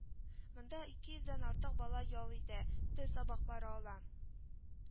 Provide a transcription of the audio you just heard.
Онда ике йөздән артык бала ял итә, тел сабаклары ала